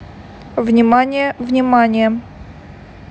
внимание внимание